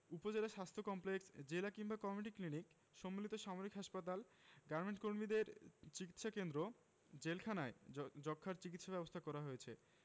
উপজেলা স্বাস্থ্য কমপ্লেক্স জেলা কিংবা কমিউনিটি ক্লিনিক সম্মিলিত সামরিক হাসপাতাল গার্মেন্টকর্মীদের চিকিৎসাকেন্দ্র জেলখানায় যক্ষ্মার চিকিৎসা ব্যবস্থা করা হয়েছে